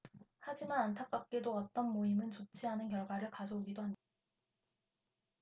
하지만 안타깝게도 어떤 모임은 좋지 않은 결과를 가져오기도 합니다